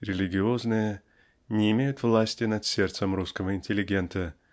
религиозные не имеют власти над сердцем русского интеллигента